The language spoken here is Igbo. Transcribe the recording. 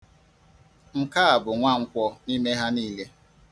Nke a bụ nwankwọ n'ime ha niile.